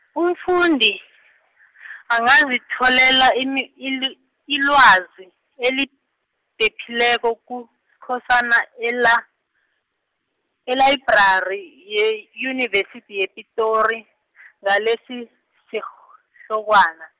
umfundi, angazitholela ini- ili- ilwazi, elidephileko kuSkhosana, eLa- elayibrari yeyunivesithi yePitori , ngalesisirh- -hlokwana.